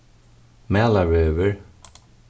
malarvegur